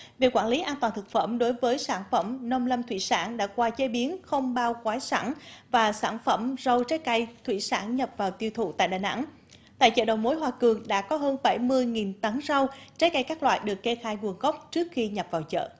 về quản lý an toàn thực phẩm đối với sản phẩm nông lâm thủy sản đã qua chế biến không bao quái sẵn và sản phẩm rau trái cây thủy sản nhập vào tiêu thụ tại đà nẵng tại chợ đầu mối hòa cường đã có hơn bảy mươi nghìn tấn rau trái cây các loại được kê khai nguồn gốc trước khi nhập vào chợ